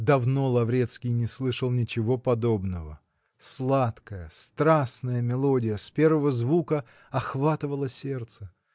Давно Лаврецкий не слышал ничего подобного: сладкая, страстная мелодия с первого звука охватывала сердце